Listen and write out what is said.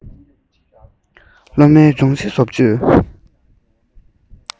སློབ མའི སྦྱོང གཞི བཟོ བཅོས